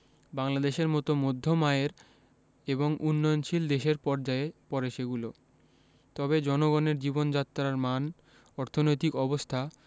বাংলাদেশের মতো মধ্যম আয়ের এবং উন্নয়নশীল দেশের পর্যায়ে পড়ে সেগুলো তবে জনগণের জীবনযাত্রার মান অর্থনৈতিক অবস্থা